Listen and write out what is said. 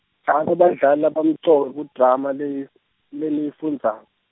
shano badlali labamcoka kudrama leyi, leniyifundzako.